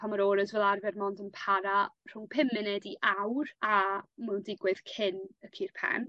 pam ma'r auras mond yn para rhwng pum munud i awr a ma' nw'n digwydd cyn y cur pen.